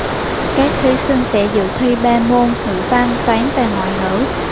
các thí sinh sẽ dự thi ba môn ngữ văn toán và ngoại ngữ